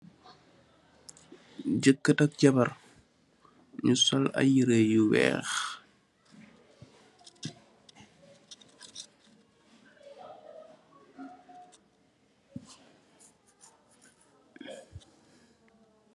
Jekarr ak jabarr nju sol aiiy yehreh yu wekh.